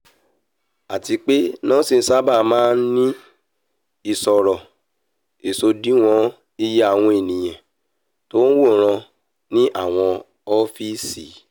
Àtipé Nielsen sáábà máa ń ní ìṣòro ìṣòdiwọ̀n iye àwọn ènìyàn ti o ń wòran ní àwọn ọ́fíìsì.